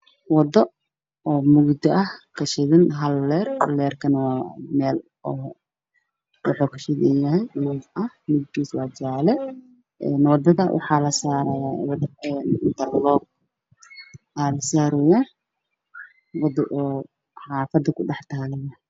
Waa waddo xaafadeed oo mugdi ah waxaa ka daaran hal dheer oo midabkiis yahay jaalo waana bloketi